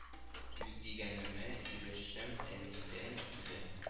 Үз дигәнемә ирешүем әнидән килә